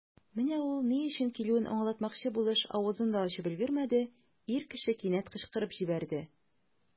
Менә ул, ни өчен килүен аңлатмакчы булыш, авызын да ачып өлгермәде, ир кеше кинәт кычкырып җибәрде.